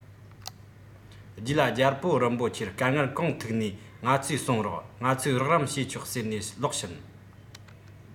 རྗེས ལ རྒྱལ པོ རིན པོ ཆེར དཀའ ངལ གང ཐུག ནའི ང ཚོར གསུང རོགས ང ཚོས རོགས རམ ཞུས ཆོག ཟེར ནས ལོག ཕྱིན